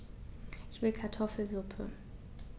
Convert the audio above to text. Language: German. Ich will Kartoffelsuppe.